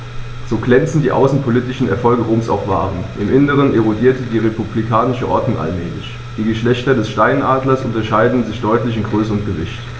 So glänzend die außenpolitischen Erfolge Roms auch waren: Im Inneren erodierte die republikanische Ordnung allmählich. Die Geschlechter des Steinadlers unterscheiden sich deutlich in Größe und Gewicht.